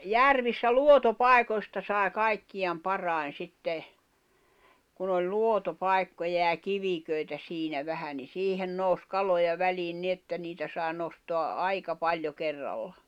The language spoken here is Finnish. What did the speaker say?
järvissä luotopaikoista sai kaikkien parhain sitten kun oli luotopaikkoja ja kivikoita siinä vähän niin siihen nousi kaloja väliin niin että niitä sai nostaa aika paljon kerralla